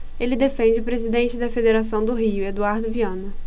ele defende o presidente da federação do rio eduardo viana